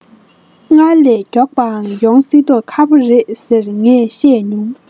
སྔར ལས མགྱོགས པའང ཡོང སྲིད མདོག ཁ པོ རེད ཟེར ངས བཤད མྱོང